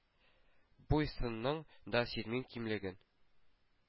Буй-сынның да сизмим кимлеген,